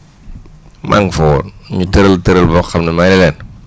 maa ngi fa woon ñu tëral tëral boo xam ne ma ne leen